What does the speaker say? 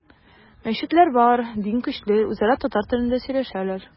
Мәчетләр бар, дин көчле, үзара татар телендә сөйләшәләр.